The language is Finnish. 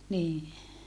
niin